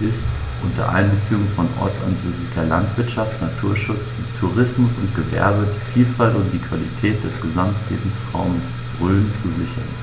ist, unter Einbeziehung von ortsansässiger Landwirtschaft, Naturschutz, Tourismus und Gewerbe die Vielfalt und die Qualität des Gesamtlebensraumes Rhön zu sichern.